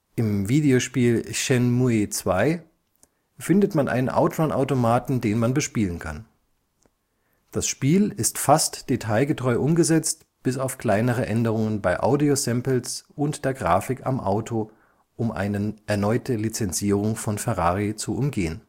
Im Videospiel Shenmue II findet man einen Out-Run-Automaten, den man bespielen kann. Das Spiel ist fast detailgetreu umgesetzt, bis auf kleinere Änderungen bei Audio Samples und der Grafik am Auto (um eine erneute Lizenzierung von Ferrari zu umgehen